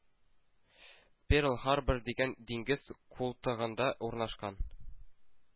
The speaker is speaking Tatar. Перл-Харбор дигән диңгез култыгында урнашкан